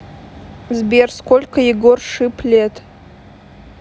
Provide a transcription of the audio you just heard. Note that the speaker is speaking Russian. сбер сколько егор шип лет